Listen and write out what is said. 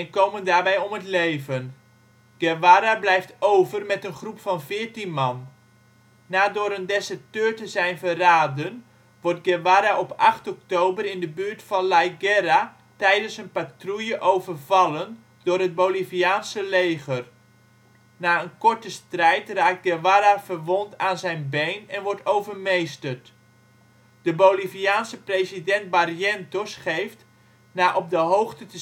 komen daarbij om het leven. Guevara blijft over met een groep van 14 man. Na door een deserteur te zijn verraden wordt Guevara op 8 oktober in de buurt van La Higuera tijdens een patrouille overvallen door het Boliviaanse leger. Na een korte strijd raakt Guevara verwond aan zijn been en wordt overmeesterd. De Boliviaanse president Barrientos geeft, na op de hoogte te